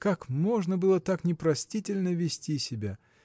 как можно было так непростительно вести себя?